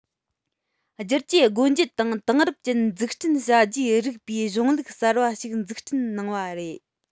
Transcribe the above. བསྒྱུར བཅོས སྒོ འབྱེད དང དེང རབས ཅན འཛུགས སྐྲུན བྱ རྒྱུའི རིགས པའི གཞུང ལུགས གསར པ ཞིག གསར སྐྲུན གནང བ རེད